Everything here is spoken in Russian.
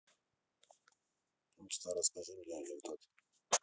ну тогда расскажи мне анекдот